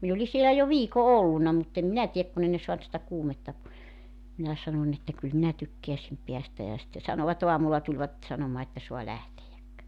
minä olin siellä jo viikon ollut mutta en minä tiedä kun ei ne saanut sitä kuumetta pois minä sanoin että kyllä minä tykkäisin päästä ja sitten sanoivat aamulla tulivat sanomaan että saa lähteä